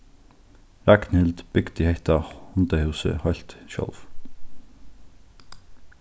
ragnhild bygdi hetta hundahúsið heilt sjálv